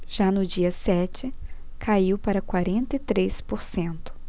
já no dia sete caiu para quarenta e três por cento